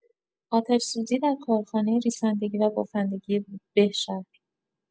آتش‌سوزی در کارخانه ریسندگی و بافندگی بهشهر